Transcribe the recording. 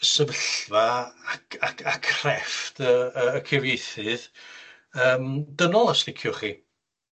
sefyllfa a c- a c- a crefft y y cyfieithydd yym, dynol os liciwch chi.